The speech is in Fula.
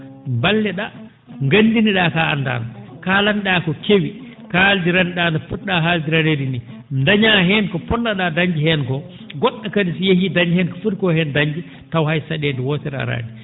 mballe ?aa nganndine ?aa ko a anndaa kaalane?aa ka kewi kaaldirane?aa no pot?a haaldiraneede nii ndañaa heen ko potno?aa dañde heen koo go??o kadi so yehii daña heen ko foti koo heen dañde taw hay sa?eede wotere araani